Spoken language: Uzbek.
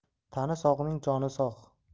tani sog'ning joni sog'